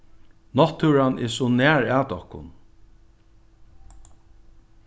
náttúran er so nær at okkum